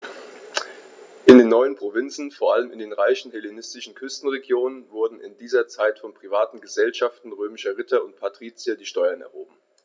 In den neuen Provinzen, vor allem in den reichen hellenistischen Küstenregionen, wurden in dieser Zeit von privaten „Gesellschaften“ römischer Ritter und Patrizier die Steuern erhoben.